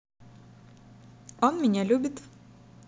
он меня любит